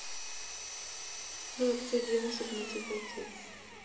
реакция девушек на чупа чупс